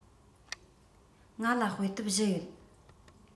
ང ལ དཔེ དེབ བཞི ཡོད